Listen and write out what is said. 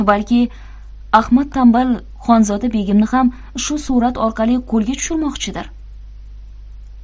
balki ahmad tanbal xonzoda begimni ham shu surat orqali qo'lga tushirmoqchidir